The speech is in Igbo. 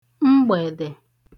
mgbẹ̀dẹ̀